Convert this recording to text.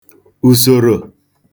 ùsòrò